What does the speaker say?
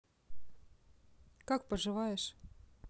как поживаешь